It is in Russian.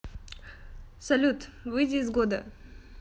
салют выйди из года